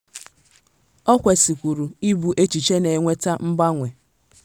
Ò kwesikwuru ịbụ echiche na-eweta mgbanwe?